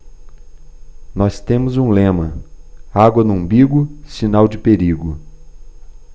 nós temos um lema água no umbigo sinal de perigo